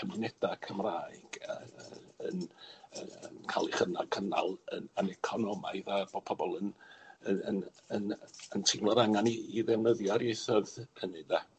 cymuneda Cymraeg yy yy yn yy yn ca'l 'u chynnau cynnal yn yn economaidd, a bo' pobol yn yn yn yn yn teimlo'r angan i i ddefnyddio'r ieitho'dd hynny de.